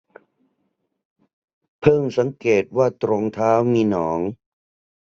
พึ่งสังเกตว่าตรงเท้ามีหนอง